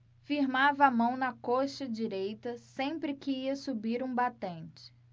firmava a mão na coxa direita sempre que ia subir um batente